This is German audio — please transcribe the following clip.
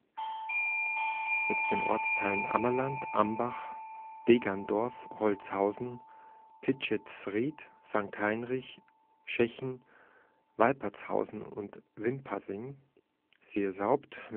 den Ortsteilen Ammerland, Ambach, Degerndorf, Holzhausen, Pischetsried, St. Heinrich, Schechen, Weipertshausen und Wimpasing Seeshaupt